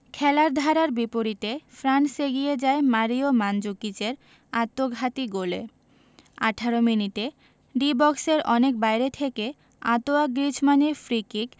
খেলার ধারার বিপরীতে ফ্রান্স এগিয়ে যায় মারিও মানজুকিচের আত্মঘাতী গোলে ১৮ মিনিটে ডি বক্সের অনেক বাইরে থেকে আঁতোয়া গ্রিজমানের ফ্রিকিক